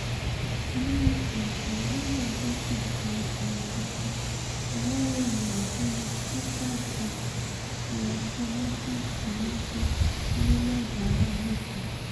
Bíi ẹgbẹ̀rún lọ́nà ogójì àwọn ìṣẹ̀lẹ̀ tuntun ni wọ́n ròyìn rẹ̀ nínú kọ́tà ìkejì ti ọdún 2018 nìkan.